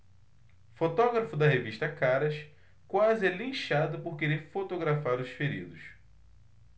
fotógrafo da revista caras quase é linchado por querer fotografar os feridos